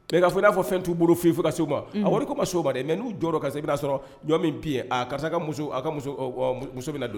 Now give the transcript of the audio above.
K'a fɔ n'a fɔ fɛn' bolo f' fo soma a wari ko ma soba dɛ mɛ n'u jɔ ka se bɛna' sɔrɔ jɔn min bi karisa ka muso don